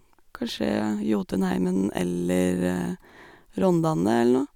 Kanskje Jotunheimen eller Rondane eller noe.